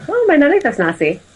O mae 'na'n eitha snazzy.